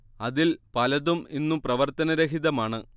അതിൽ പലതും ഇന്നും പ്രവർത്തനനിരതമാണ്